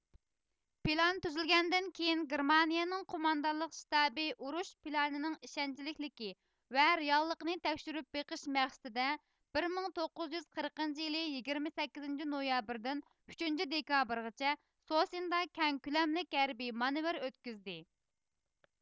پىلان تۈزۈلگەندىن كېيىن گېرمانىيىنىڭ قوماندانلىق شتابى ئۇرۇش پىلانىنىڭ ئىشەنچلىكلىكى ۋە رېئاللىقىنى تەكشۈرۈپ بېقىش مەقسىتىدە بىر مىڭ توققۇز يۈز قىرىقىنچى يىلى يىگىرمە سەككىزىنچى نويابىردىن ئۈچىنچى دېكابىرغىچە سوسندا كەڭ كۆلەملىك ھەربىي مانېۋىر ئۆتكۈزدى